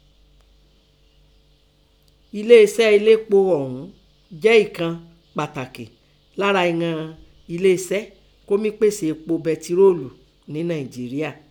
ẹléeṣẹ́ elépo ọ̀ún jẹ́ ìkan pàtàkì lára ìghan eléeṣẹ́ kọ́ mí pèsè epo bẹtiróòlù nẹ́ Nànìjeríà.